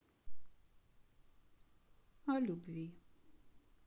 о любви